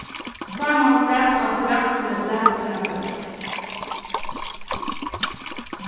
sámal sat á terrassuni og las eina bók